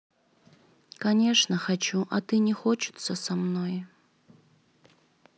конечно хочу а ты не хочется со мной